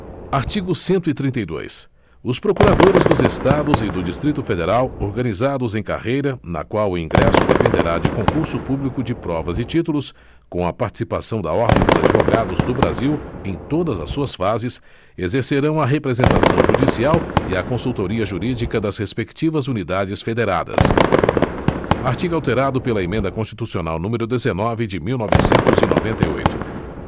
artigo cento e trinta e dois os procuradores dos estados e do distrito federal organizados em carreira na qual o ingresso dependerá de concurso público de provas e títulos com a participação da ordem dos advogados do brasil em todas as suas fases exercerão a representação judicial e a consultoria jurídica das respectivas unidades federadas artigo alterado pela emenda constitucional número dezenove de mil novecentos e noventa e oito